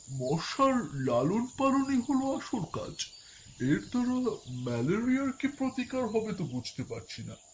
মশা লালন-পালন ই হলো আসল কাজ এর দ্বারা ম্যালেরিয়ার কি প্রতিকার হবে বুঝতে পারছি না